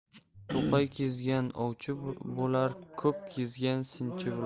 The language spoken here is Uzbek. to'qay kezgan ovchi bo'lar ko'p kezgan sinchi bo'lar